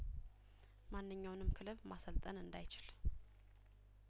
ማንኛውንም ክለብ ማሰልጠን እንዳይችል